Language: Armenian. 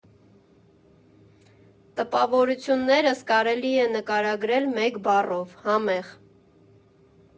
Տպավորություններս կարելի է նկարագրել մեկ բառով՝ համե՜ղ։